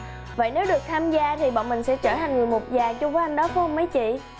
vậy nếu được tham gia thì bọn mình sẽ trở thành người một nhà chung với anh đó phải không mấy chị